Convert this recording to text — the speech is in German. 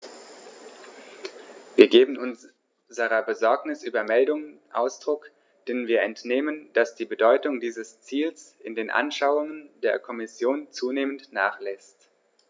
Wir geben unserer Besorgnis über Meldungen Ausdruck, denen wir entnehmen, dass die Bedeutung dieses Ziels in den Anschauungen der Kommission zunehmend nachlässt.